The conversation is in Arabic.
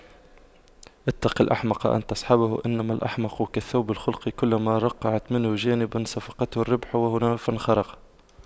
اتق الأحمق أن تصحبه إنما الأحمق كالثوب الخلق كلما رقعت منه جانبا صفقته الريح وهنا فانخرق